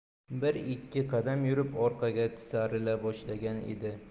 bir ikki qadam yurib orqaga tisarila boshlagan edi